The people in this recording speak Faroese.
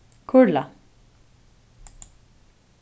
kurla